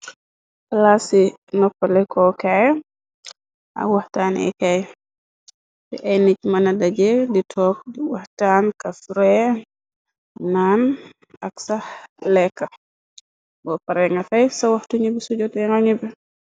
Plaasii nopah leh kor kaii ak wakhtaneh kaii, fii aiiy nitt manah daajeh, dii tok wakhtan, kaff, reeh, nan ak sah lehkah, bor pareh nga feyy, sa wakhtu njibi su joteh nga njibi.